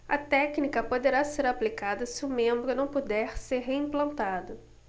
a técnica poderá ser aplicada se o membro não puder ser reimplantado